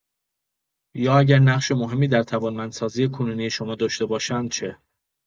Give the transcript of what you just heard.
یا اگر نقش مهمی در توانمندسازی کنونی شما داشته باشند چه؟